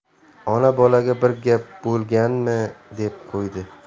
ona bolaga bir gap bo'lgan mi deb qo'ydi